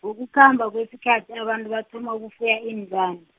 ngokukhamba kwesikhathi abantu bathoma ukufuya iinlwana.